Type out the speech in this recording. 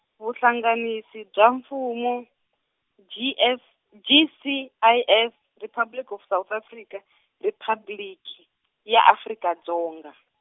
Vuhlanganisi bya Mfumo, G F, G C I S Republic of South Africa, Riphabliki ya Afrika Dzonga.